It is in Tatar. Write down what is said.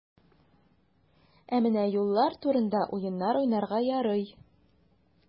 Ә менә юллар турында уеннар уйнарга ярый.